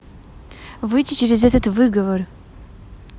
выйти через этот выговор